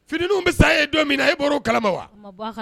Finiiniininw bɛ sa ye don min na e b bɔra o kalama wa